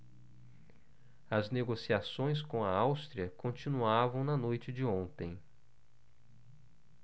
as negociações com a áustria continuavam na noite de ontem